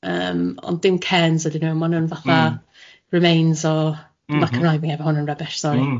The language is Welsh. Yym ond dim cairns ydyn nhw... Mm. ...ma' nhw'n fatha remains... M-hm. ...o ma' Cymraeg fi efo hwn yn rubbish sori.